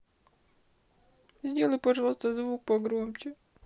сделай пожалуйста звук погромче